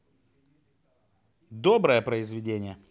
доброе произведение